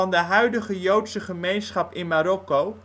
de huidige Joodse gemeenschap in Marokko